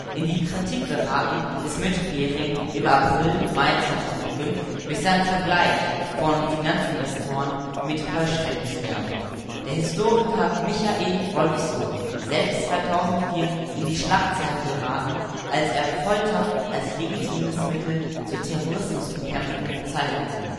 In die Kritik geraten ist Müntefering im April/Mai 2005 durch seinen Vergleich von Finanzinvestoren mit Heuschreckenschwärmen. Der Historiker Michael Wolffsohn, selbst 2004 in die Schlagzeilen geraten als er Folter als legitimes Mittel zur Terrorismusbekämpfung bezeichnete